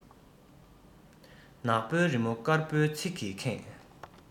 ནག པོའི རི མོ དཀར པོའི ཚིག གིས ཁེངས